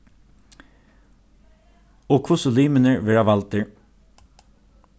og hvussu limirnir verða valdir